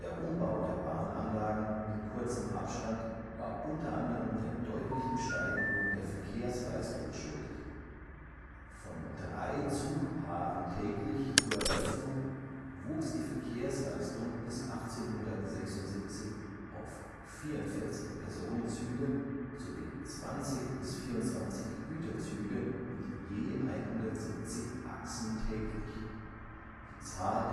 Umbau der Bahnanlagen in kurzem Abstand war unter anderem der deutlichen Steigerung der Verkehrsleistung geschuldet. Von drei Zugpaaren täglich zur Eröffnung wuchs die Verkehrsleistung bis 1876 auf 44 Personenzüge (im Sommer 56) sowie 20 bis 24 Güterzüge mit je 170 Achsen täglich. Der